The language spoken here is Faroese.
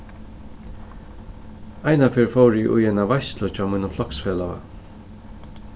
einaferð fór eg í eina veitslu hjá mínum floksfelaga